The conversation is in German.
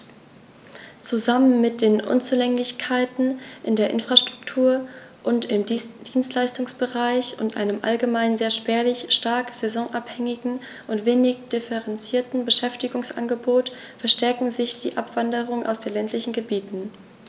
Zusammen mit den Unzulänglichkeiten in der Infrastruktur und im Dienstleistungsbereich und einem allgemein sehr spärlichen, stark saisonabhängigen und wenig diversifizierten Beschäftigungsangebot verstärken sie die Abwanderung aus den ländlichen Gebieten.